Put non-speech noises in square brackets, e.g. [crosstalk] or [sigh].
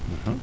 [hesitation] [hesitation]